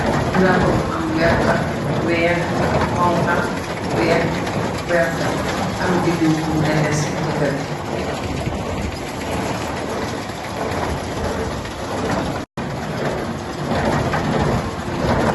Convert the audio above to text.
Darapóó bu am werta, wèèx, xonxa, wèèx, werta am bidiw bu neteh ci diga bi.